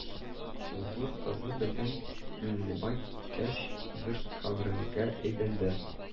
Зур кызы белән Миңлебай киткәч, йорт кабергә әйләнде